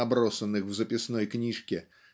набросанных в записной книжке